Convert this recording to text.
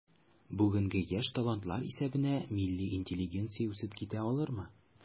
Бүгенге яшь талантлар исәбенә милли интеллигенция үсеп китә алырмы?